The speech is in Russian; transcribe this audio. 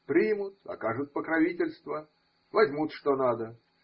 Примут, окажут покровительство, возьмут, что надо.